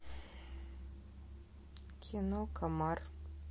кино комар